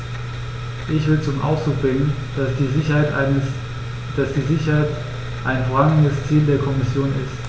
Ich will zum Ausdruck bringen, dass die Sicherheit ein vorrangiges Ziel der Kommission ist.